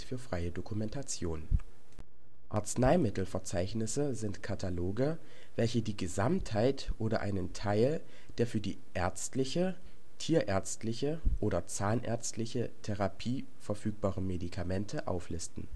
freie Dokumentation. Arzneimittelverzeichnisse sind Kataloge, welche die Gesamtheit oder einen Teil der für die ärztliche, tierärztliche oder zahnärztliche Therapie verfügbaren Medikamente auflisten